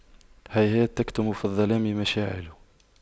هيهات تكتم في الظلام مشاعل